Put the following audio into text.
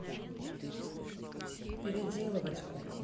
переделывать кукол